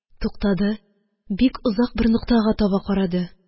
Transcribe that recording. Уктады, бик озак бер ноктага таба карады